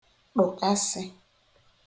ṭụ̀kasị